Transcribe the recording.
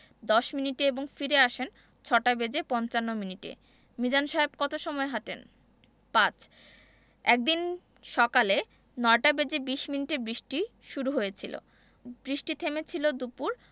১০ মিনিটে এবং ফিরে আসেন ৬টা বেজে পঞ্চান্ন মিনিটে মিজান সাহেব কত সময় হাঁটেন ৫ একদিন সকালে ৯টা বেজে ২০ মিনিটে বৃষ্টি শুরু হয়েছিল বৃষ্টি থেমেছিল দুপুর